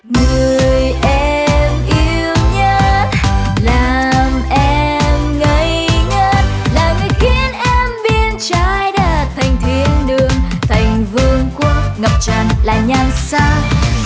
người em iu nhất làm em ngây ngất là người khiến em biến trái đất thành thiên đường thành vương quốc ngập tràn là nhan sắc